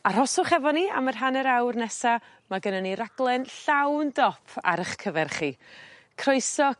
arhoswch efo ni am y hanner awr nesa ma' gynnon ni raglen llawn dop ar 'ych cyfer hi. croeso